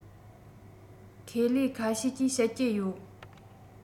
ཁེ ལས ཁ ཤས ཀྱིས བཤད ཀྱི ཡོད